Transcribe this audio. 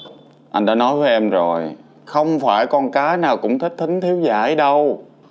anh đã nói với em rồi không phải con cá nào cũng thích thính thiếu vải đâu